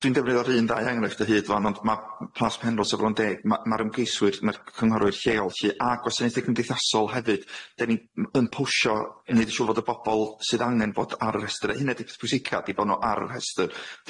Dwi'n defnyddio'r un ddau enghraifft o hyd w'an ond ma' Plas Penrhos se Fron Deg ma' ma'r ymgeiswyr ma'r cynghorwyr lleol lly a gwasanaethe cymdeithasol hefyd, dyn ni m- yn pwsio i neu' siŵr fod y bobol sydd angen bod ar y rhestr y hynna ydi peth pwysica ydi bo' n'w ar y rhestr,